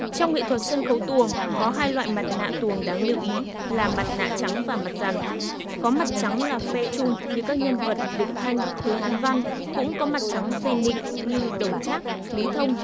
trong nghệ thuật sân khấu tuồng có hai loại mặt nạ tuồng đáng lưu ý là mặt nạ trắng và mặt dằn có mặt trắng là phe trung như các nhân vật địch thanh hứa hán văn cũng có mặt trắng phê nịnh như đổng trác lý thông